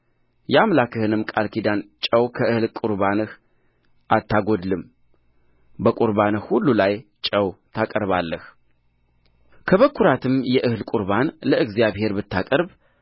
የአምላክህንም ቃል ኪዳን ጨው ከእህል ቍርባንህ አታጐድልም በቍርባንህ ሁሉ ላይ ጨው ታቀርባለህከበኵራትም የእህል ቍርባን ለእግዚአብሔር ብታቀርብ